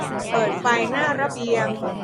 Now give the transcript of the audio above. เปิดไฟหน้าระเบียง